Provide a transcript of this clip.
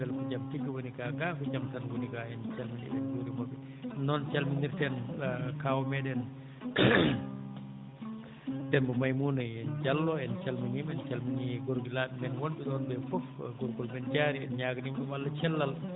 en mbiyii ɓe mbele ko jam tigi won gaa gaa ko jam tan woni gaa en calminii ɓe en njuuriima ɓe noon calminirten kaw meɗen Demba Maimouna e Diallo en calmii ɓe en calminii e gorgilaaɓe men wonɓe ɗon ɓee fof gorgol men Diarry en ñaaganiima ɗum Allah cellal